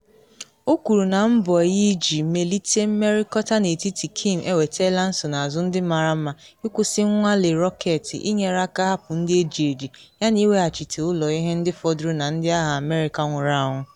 O kwuru na mbọ ya iji melite mmerịkọta n’etiti Kim ewetele nsonaazụ ndị mara mma - ịkwụsị nnwale rọketị, ịnyere aka hapụ ndị eji eji yana iweghachite ụlọ ihe ndị fọdụrụ na ndị agha America nwụrụ anwụ.